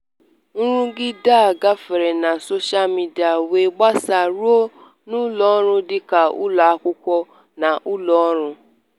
Nrụgide a gafere na soshal midịa, wee gbasaa ruo n'ụlọọrụ dịka ụlọakwụkwọ na ụlọọrụ.